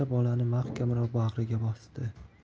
mahkamroq bag'riga bosdi